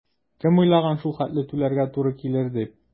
Кем уйлаган шул хәтле түләргә туры килер дип?